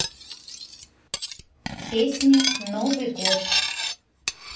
песни новый год